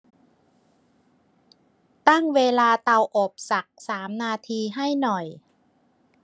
ตั้งเวลาเตาอบสักสามนาทีให้หน่อย